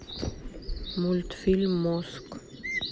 мультфильм мозг